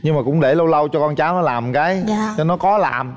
nhưng mà cũng để lâu lâu cho con cháu làm cái cho nó có làm